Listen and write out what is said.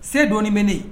Se dɔɔninɔni bɛen